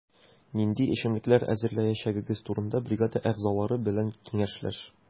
Нинди эчемлекләр әзерләячәгегез турында бригада әгъзалары белән киңәшләш.